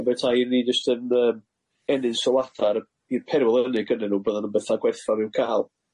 A betai i ni jyst yn yym ennill sylwadda ar yy i'r perwl ynny gynnyn nw byddwn yn betha gwerthfawr i'w ca'l.